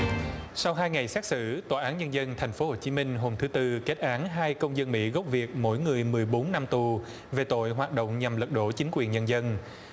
sau hai ngày xét xử tòa án nhân dân thành phố hồ chí minh hôm thứ tư kết án hai công dân mỹ gốc việt mỗi người mười bốn năm tù về tội hoạt động nhằm lật đổ chính quyền nhân dân